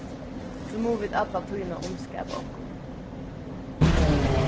so mugu vit alla tíðina umskapa okkum